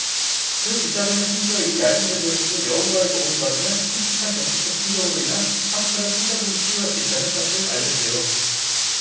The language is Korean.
그 기사들은 심지어 이 낡은 제도에서도 여호와의 도움을 받으면 끔찍한 정신적 충격으로 인한 상처를 상당 부분 치유할 수 있다는 사실을 알려 주지요